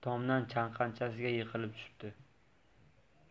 tomdan chalqanchasiga yiqilib tushibdi